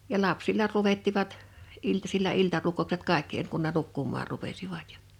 ja lapsilla luettivat iltasilla iltarukoukset kaikki - kun ne nukkumaan rupesivat ja